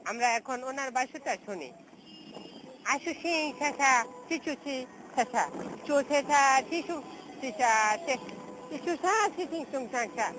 আমরা এখন উনার ভাষাটা শুনি আইসো সিং শাশা শিশু শি চৌগাছা শিশু শসা শিশি সা সিং সুং সা